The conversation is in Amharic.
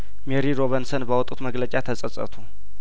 ሜሪ ሮበንሰን ባወጡት መግለጫ ተጸጸቱ